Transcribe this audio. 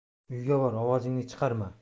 uyga bor ovozingni chiqarma